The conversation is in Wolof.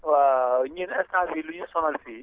waa ñun instant bii li ñu sonal fii